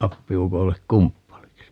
appiukolle kumppaniksi